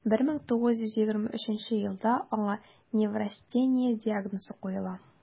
1923 елда аңа неврастения диагнозы куела: